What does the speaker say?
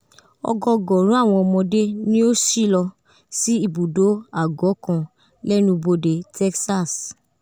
Ọgọgọrun awọn ọmọde ni o ṣilọ si ibudo agọ kan lẹnubode Texas